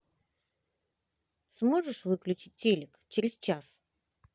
сможешь выключить телек через час